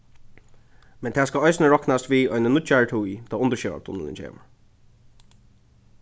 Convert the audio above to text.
men tað skal eisini roknast við eini nýggjari tíð tá undirsjóvartunnilin kemur